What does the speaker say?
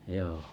joo